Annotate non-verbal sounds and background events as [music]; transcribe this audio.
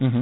[hesitation] [hesitation]